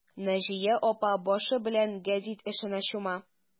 Наҗия апа башы белән гәзит эшенә чума.